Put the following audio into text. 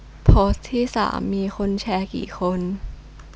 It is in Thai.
โพสต์ที่สามมีคนแชร์กี่คน